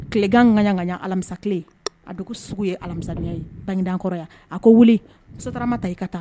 Tilegan kaɲa kaɲa alamisa tile a dugu sugu ye alamisadonya ye Bangeda an kɔrɔ yan a ko wuli SOTRAMA ta i ka taa